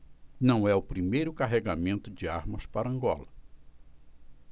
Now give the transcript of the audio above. não é o primeiro carregamento de armas para angola